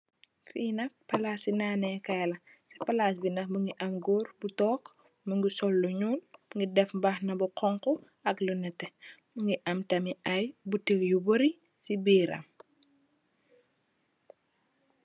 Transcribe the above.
Fi nat palasi nanèkai la. Si palas bi nak mugii am gór bu tóóg mugii sol lu ñuul mugii def mbàxna bu xonxu ak lu netteh. Mugii am tamid ay bottèl yu biir si biir ram.